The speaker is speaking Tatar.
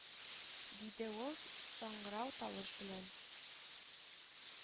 Диде ул, саңгырау тавыш белән